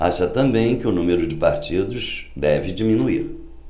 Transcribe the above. acha também que o número de partidos deve diminuir